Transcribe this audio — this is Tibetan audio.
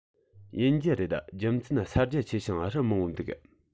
ཡིན རྒྱུ རེད རྒྱུ མཚན ས རྒྱ ཆེ ཞིང རི མང པོ འདུག